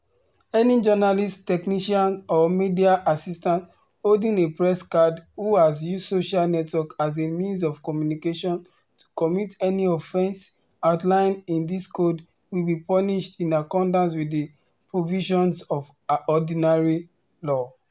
Any journalist, technician or media assistant holding a press card who has used social networks as a means of communication to commit any offense outlined in this code will be punished in accordance with the provisions of ordinary law.